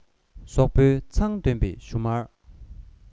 ཟོག པོའི མཚམ འདོན པའི བཞུ མར